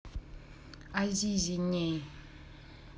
azizi ней